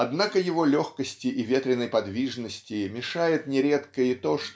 Однако его легкости и ветреной подвижности мешает нередко и то